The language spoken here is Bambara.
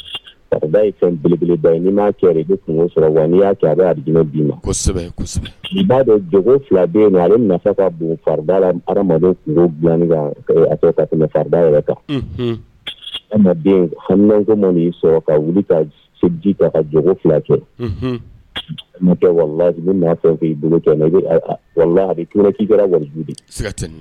B i b'a dɔn fila ale ka tɛmɛ fari yɛrɛ kan ko y'i sɔrɔ ka wuliji ka fila cɛ waliju